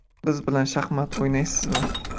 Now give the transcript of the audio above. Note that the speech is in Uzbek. biz bilan shaxmat o'ynaysizmi